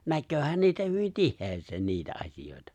näkeehän niitä hyvin tiheään niitä asioita